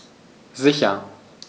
Sicher.